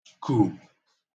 kù